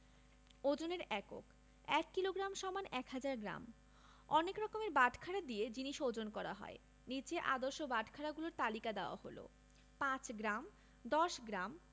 ওজনের এককঃ ১ kilogram = ১০০০ gram অনেক রকমের বাটখারা দিয়ে জিনিস ওজন করা হয় নিচে আদর্শ বাটখারাগুলোর তালিকা দেয়া হলঃ ৫ গ্রাম ১০গ্ৰাম